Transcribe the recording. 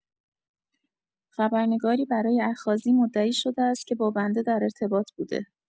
خبرنگاری برای اخاذی مدعی شده است که با بنده در ارتباط بوده